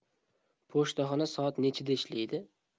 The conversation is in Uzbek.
pochtaxona soat nechida ishlaydi